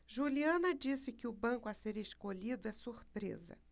juliana disse que o banco a ser escolhido é surpresa